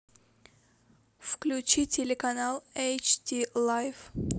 включи телеканал эйч ти лайв